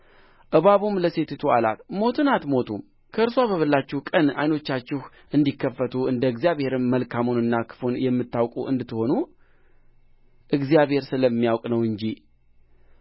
እባብም ለሴቲቱ አላት ሞትን አትሞቱም ከእርስዋ በበላችሁ ቀን ዓይኖቻችሁ እንዲከፈቱ እንደ እግዚአብሔርም መልካምንና ክፉን የምታውቁ እንድትሆኑ እግዚአብሔር ስለሚያውቅ ነው እንጂ